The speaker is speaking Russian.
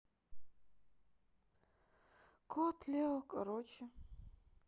кот лео короче